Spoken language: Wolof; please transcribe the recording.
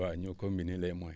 waa ñoo combiné les moyens